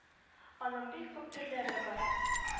Аның бик күп төрләре бар